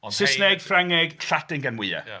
O Saesneg, Ffrangeg, Lladin gan fwyaf... Ia.